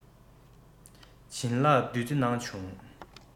བྱིན བརླབས བདུད རྩི གནང བྱུང